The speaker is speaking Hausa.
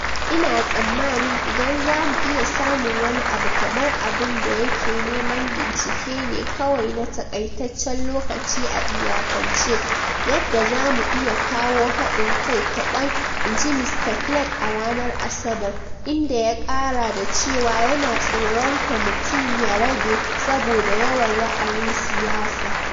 "Ina tsammanin, idan za mu iya samun wani abu kamar abin da yake nema - bincike ne kawai na takaitancen lokaci, a iyakance - yadda za mu iya kawo hadin kai kadan," in ji Mr Flake a ranar Asabar, inda ya kara da cewa yana tsoron kwamitin " ya rabe " saboda yawan ra’ayin siyasa.